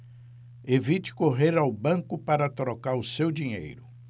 evite correr ao banco para trocar o seu dinheiro